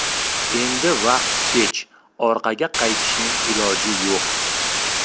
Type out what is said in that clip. endi vaqt kech orqaga qaytishning iloji yo'q